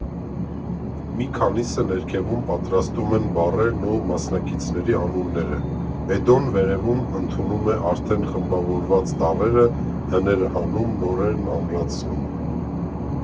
Մի քանիսը ներքևում պատրաստում են բառերն ու մասնակիցների անունները, Էդոն վերևում ընդունում է արդեն խմբավորված տառերը, հները հանում, նորերն ամրացնում։